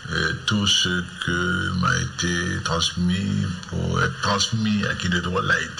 Ɛɛ tu se ma e te tasumas tasuma tasumas min a hakili tɔgɔ layi ten